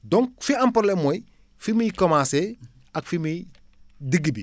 donc fi am problème mooy fi muy commencé ak fi muy digg bi